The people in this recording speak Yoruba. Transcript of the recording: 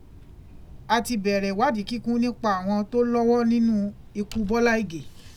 A ti bẹ̀rẹ̀ ìwádìí kíkún nípa àwọn tó lọ́wọ́ nínú ikú Bọ́lá Ìgè.